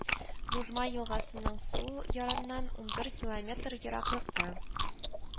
Лужма елгасының сул ярыннан унбер километр ераклыкта